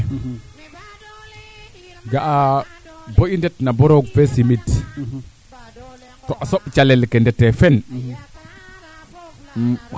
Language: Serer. o kiin ale a reta nga ba a ga keete waanda xijum yoombe ndax ko moƴo jega courage ande kee wandooguma oxey xot mbis rek yoqnda tum